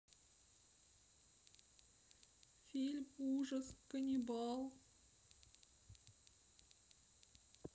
фильм ужас каннибал